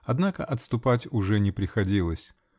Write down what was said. Однако отступать уже не приходилось.